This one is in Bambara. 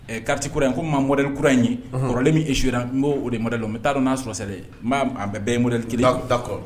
Ɛ carte kura in comme ma modelé kura in ye ɔnhɔn kɔrɔlen min échoué ra n b'oo o de modèle dɔn mais t'a dɔn n'a sɔrɔ c'est des n b'aab a bɛ bɛɛ ye modelé 1 ye dak d'accord